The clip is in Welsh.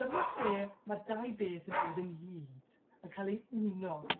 dyma lle ma' dau beth yn dod ynghyd, yn ca'l eu uno